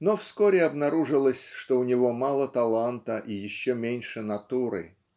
но вскоре обнаружилось, что у него мало таланта и еще меньше натуры.